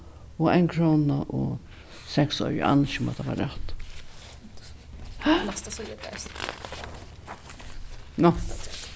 og ein króna og seks oyru eg áni ikki um hatta var rætt ha ná